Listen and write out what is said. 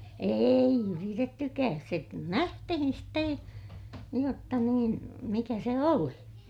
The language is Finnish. ei yritettykään se nähtiin sitten jotta niin mikä se oli